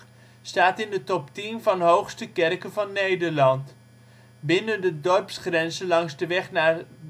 staat in de top 10 van hoogste kerken van Nederland. Binnen de dorpsgrenzen, langs de weg naar